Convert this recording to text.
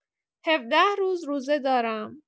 ۱۷ روز روزه دارم.